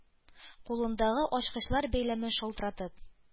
Кулындагы ачкычлар бәйләмен шалтыратып,